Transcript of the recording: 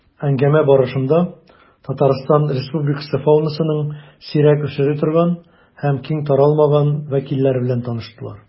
Әңгәмә барышында Татарстан Республикасы фаунасының сирәк очрый торган һәм киң таралмаган вәкилләре белән таныштылар.